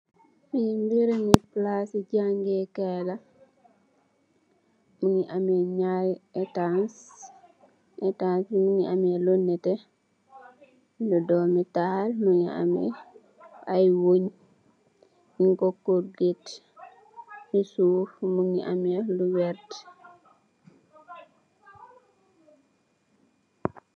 Fii Palasi jangèè kai la mugii ameh ñaari ètas, ètas bi mugii ameh lu netteh lu doomi tahal mugii ameh ay weñ ñing ko korget ci suuf mugii ameh lu werta.